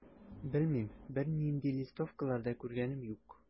Белмим, бернинди листовкалар да күргәнем юк.